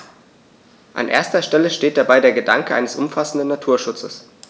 An erster Stelle steht dabei der Gedanke eines umfassenden Naturschutzes.